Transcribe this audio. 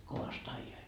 kovasti ajoivat